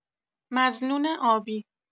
مظنون آبی